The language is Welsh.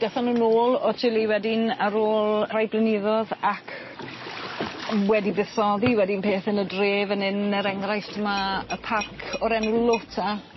Dethon nw nôl o Chile wedyn ar ôl rhai blyniddodd ac wedi buddsoddi wedyn peth yn y dre fyn 'yn er enghraifft ma' y parc o'r enw Lota